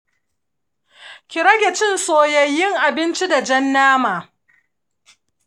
ki rage cin soyayyun abinci da jan nama.